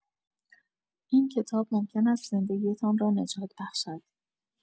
این کتاب ممکن است زندگی‌تان را نجات بخشد.